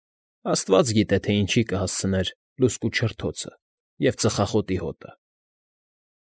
Աստված գիտե, թե ինչի կհասցներ լուցկու չրթոցը և ծխախոտի հոտը։